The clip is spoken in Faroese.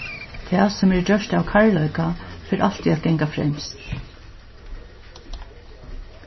tað sum er gjørt av kærleika fer altíð at ganga fremst